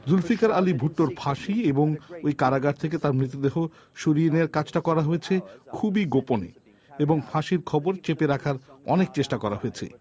জুলফিকার আলী ভুট্টোর ফাঁসি এবং এই কারাগার থেকে তার মৃতদেহ সরিয়ে নেয়ার কাজটা করা হয়েছে খুবই গোপনে এবং ফাঁসির খবর চেপে রাখার অনেক চেষ্টা করা হয়েছে